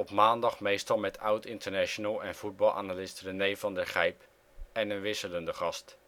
maandag meestal met oud-international en voetbalanalist René van der Gijp en oud-voetballer en een wisselende gast